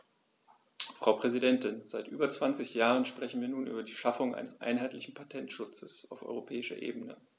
Frau Präsidentin, seit über 20 Jahren sprechen wir nun über die Schaffung eines einheitlichen Patentschutzes auf europäischer Ebene.